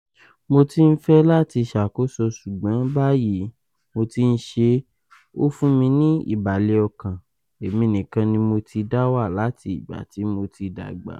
Mo ti ń fẹ́ láti ṣàkóso ṣùgbọ́n báyìí mo ti ń ṣe é, ó fún mi ní ìbàlẹ̀ ọkàn, èmi nìkàn ní mò tí dáwà láti ìgbà ti mo ti dàgbà.